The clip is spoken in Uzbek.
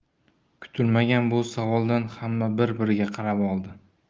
kutilmagan bu savoldan hamma bir biriga qarab oldi